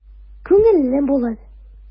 Күңеле булыр...